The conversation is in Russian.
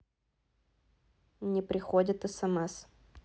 не приходит смс